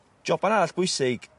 Joban arall bwysig